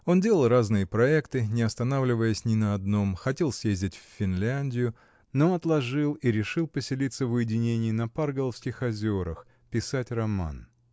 Он делал разные проекты, не останавливаясь ни на одном: хотел съездить в Финляндию, но отложил и решил поселиться в уединении на Парголовских озерах, писать роман.